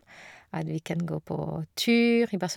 At vi kan gå på tur i Barce...